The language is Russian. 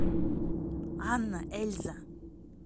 анна эльза